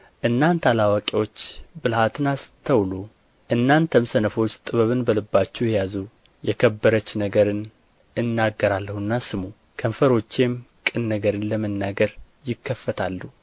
እናንተ አላዋቂዎች ብልሃትን አስተውሉ እናንተም ሰነፎች ጥበብን በልባችሁ ያዙ የከበረች ነገርን እናገራለሁና ስሙ ከንፈሮቼም ቅን ነገርን ለመናገር ይከፈታሉ